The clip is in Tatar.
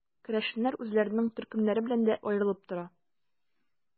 Керәшеннәр үзләренең төркемнәре белән дә аерылып тора.